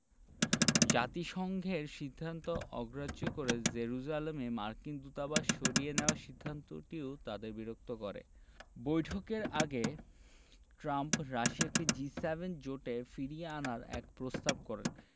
জাতিসংঘের সিদ্ধান্ত অগ্রাহ্য করে জেরুজালেমে মার্কিন দূতাবাস সরিয়ে নেওয়ার সিদ্ধান্তটিও তাদের বিরক্ত করে বৈঠকের আগে ট্রাম্প রাশিয়াকে জি ৭ জোটে ফিরিয়ে আনার এক প্রস্তাব করেন